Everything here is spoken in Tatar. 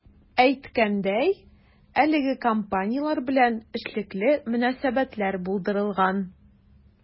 Әйткәндәй, әлеге компанияләр белән эшлекле мөнәсәбәтләр булдырылган.